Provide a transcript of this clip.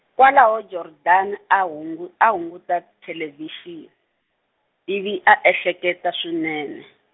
kwalaho Jordaan a hungu- a hunguta thelevhixini, ivi a ehleketa swinene.